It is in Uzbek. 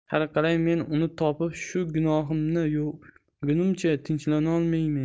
har qalay men uni topib shu gunohimni yuvmagunimcha tinchiyolmaymen